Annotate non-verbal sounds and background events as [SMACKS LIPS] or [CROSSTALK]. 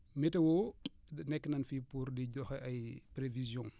météo [SMACKS LIPS] nekk nañu fi pour di joxe ay prévisions